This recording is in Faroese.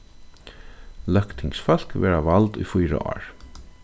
løgtingsfólk verða vald í fýra ár